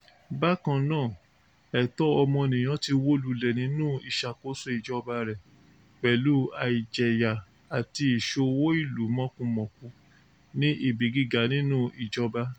Bákan náà, ẹ̀tọ́ ọmọnìyàn ti wó lulẹ̀ nínú ìṣàkóso ìjọba rẹ̀, pẹ̀lú àìjẹ̀yà àti ìṣowó-ìlú-mọ̀kumọ̀ku ní ibi gíga nínú ìjọba.